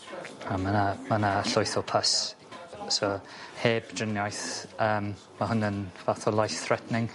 A ma' 'na ma' 'na llwyth o puss so heb driniaeth yym ma' hwnna'n fath o life threatening.